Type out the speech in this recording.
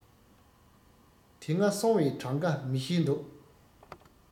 དེ སྔ སོང བའི གྲངས ཀ མི ཤེས འདུག